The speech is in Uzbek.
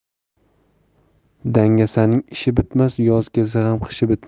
dangasaning ishi bitmas yoz kelsa ham qishi bitmas